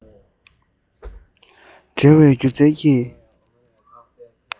འབྲེལ བའི སྒྱུ རྩལ གྱི